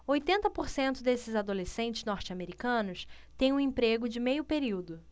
oitenta por cento desses adolescentes norte-americanos têm um emprego de meio período